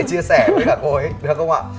chia sẻ với cả cô ấy được không ạ